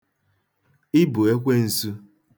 Ị bụ ekwensu.